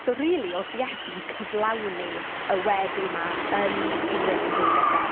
So, rili, oedd Iesu'n cyflawni y weddi 'ma yn ei weinidogaeth e.